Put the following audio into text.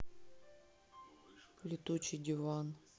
летучий диван